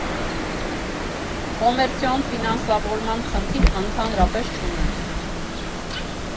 Կոմերցիոն ֆինանսավորման խնդիր ընդհանրապես չունեն.